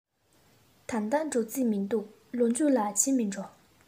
ད ལྟ འགྲོ རྩིས མི འདུག ལོ མཇུག ལ ཕྱིན མིན འགྲོ